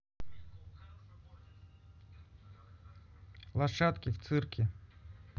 лошадки в цирке